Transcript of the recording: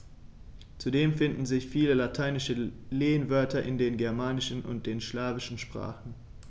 Zudem finden sich viele lateinische Lehnwörter in den germanischen und den slawischen Sprachen.